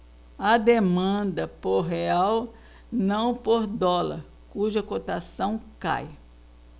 há demanda por real não por dólar cuja cotação cai